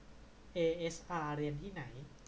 เอเอสอาร์เรียนที่ไหน